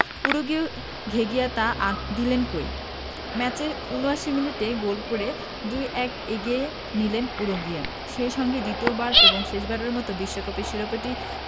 উরুগুয়ের ঘিঘিয়া তা আর দিলেন কই ম্যাচের ৭৯ মিনিটে গোল করে ২ ১ এ এগিয়ে নিলেন উরুগুয়েকে সেই সঙ্গে দ্বিতীয়বার এবং শেষবারের মতো বিশ্বকাপের শিরোপাটি